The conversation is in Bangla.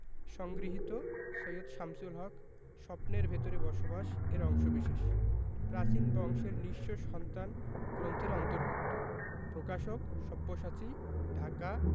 সংগৃহীত সৈয়দ শামসুল হক স্বপ্নের ভেতরে বসবাস এর অংশবিশেষ প্রাচীন বংশের নিঃস্ব সন্তান গ্রন্থের অন্তর্ভুক্ত প্রকাশকঃ সব্যসাচী ঢাকা